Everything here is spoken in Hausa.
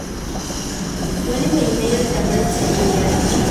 Wani mai mayar da martani ya ce: